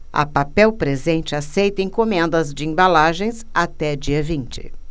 a papel presente aceita encomendas de embalagens até dia vinte